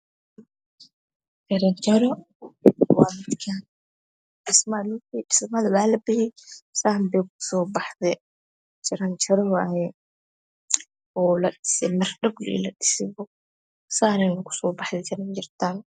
Jaranjaro waaye midkaan dhismaha waa labagey saan bay kusoo baxdey. jaranjaro waaye saneyna kusoo baxdey jaranjartaan.